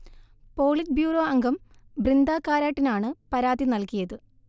politburo അംഗം ബൃന്ദാ കാരാട്ടിനാണ് പരാതി നൽകിയത്